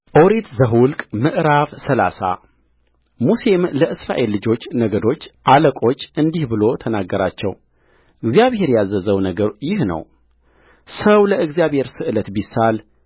ኦሪት ዘኍልቍ ምዕራፍ ሰላሳ ሙሴም ለእስራኤል ልጆች ነገዶች አለቆች እንዲህ ብሎ ተናገራቸው እግዚአብሔር ያዘዘው ነገር ይህ ነውሰው ለእግዚአብሔር ስእለት ቢሳል